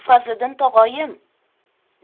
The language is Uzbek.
fazliddin tog'oyim